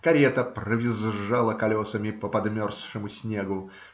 карета провизжала колесами по подмерзшему снегу